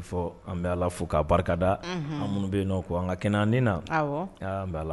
Fɔ, an bɛ Ala fo k'a barikada. Unhun ! An minnu bɛ yen nɔ ko an ka kɛnɛ an nii na. Awɔ! .